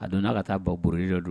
A don n'a ka taa bɔuruoli dɔ don